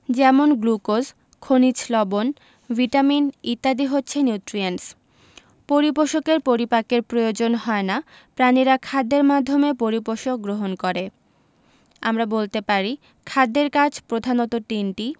যেমন গ্লুকোজ খনিজ লবন ভিটামিন ইত্যাদি হচ্ছে নিউট্রিয়েন্টস পরিপোষকের পরিপাকের প্রয়োজন হয় না প্রাণীরা খাদ্যের মাধ্যমে পরিপোষক গ্রহণ করে আমরা বলতে পারি খাদ্যের কাজ প্রধানত তিনটি